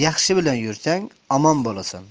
yaxshi bilan yursang omon boiasan